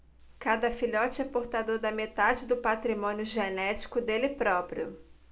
cada filhote é portador da metade do patrimônio genético dele próprio